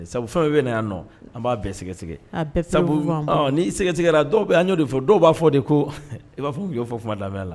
Sabu fɛnw fɛn bɛ na yan nɔ, an b'a bɛɛ sɛgɛsɛ , a bɛɛ sɛgɛsɛgɛ, sabu ni sɛgɛsɛla , dɔw bɛ ye, an ye o de fɔ, dɔw b'a fɔ ko de ko i b'a fɔ k'u y'o fɔ kuma daminɛ la.